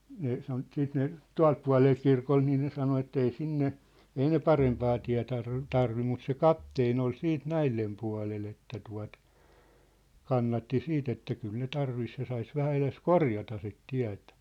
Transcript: ne sanoi sitten ne tuolta puolen kirkon niin ne sanoi että ei sinne ei ne parempaa tie - tarvitse mutta se kapteeni oli sitten näiden puolella että tuota kannatti sitten että kyllä ne tarvitsisi ja saisi vähän edes korjata sitä tietä